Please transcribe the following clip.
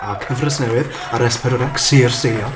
ar cyfres newydd ar S4C Ser Steilio.